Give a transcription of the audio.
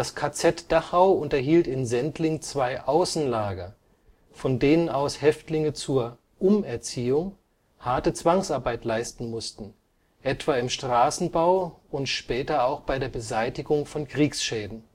KZ Dachau unterhielt in Sendling zwei Außenlager, von denen aus Häftlinge zur „ Umerziehung “harte Zwangsarbeit leisten mussten, etwa im Straßenbau und später auch bei der Beseitigung von Kriegsschäden